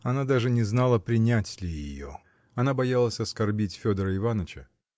она даже не знала, принять ли ее: она боялась оскорбить Федора Иваныча.